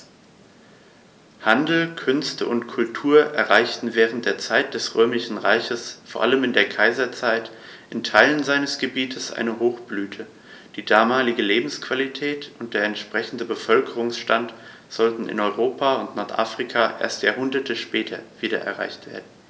Handel, Künste und Kultur erreichten während der Zeit des Römischen Reiches, vor allem in der Kaiserzeit, in Teilen seines Gebietes eine Hochblüte, die damalige Lebensqualität und der entsprechende Bevölkerungsstand sollten in Europa und Nordafrika erst Jahrhunderte später wieder erreicht werden.